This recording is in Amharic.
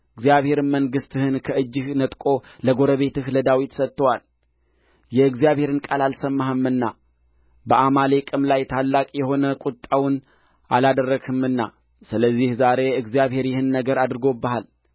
እግዚአብሔርም መንግሥትህን ከእጅህ ነጥቆ ለጎረቤትህ ለዳዊት ሰጥቶታል የእግዚአብሔርን ቃል አልሰማህምና በአማሌቅም ላይ ታላቅ የሆነ ቍጣውን አላደረግህምና ስለዚህ ዛሬ እግዚአብሔር ይህን ነገር አድርጎብሃል